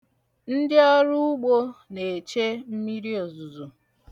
Ndị ọrụ ugbo na-eche mmiriozuzo.